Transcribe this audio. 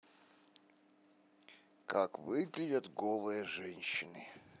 как выглядят голые женщины